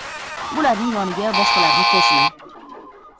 bularning yoniga boshqalarni qo'shmay